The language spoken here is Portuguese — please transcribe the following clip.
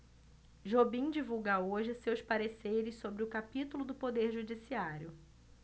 jobim divulga hoje seus pareceres sobre o capítulo do poder judiciário